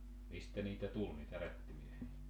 mistä niitä tuli niitä rättimiehiä